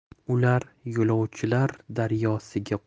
ular yo'lovchilar daryosiga